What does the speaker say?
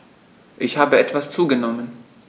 Ich habe etwas zugenommen